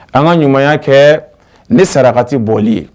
An ka ɲuman kɛ ne sarakati bɔli ye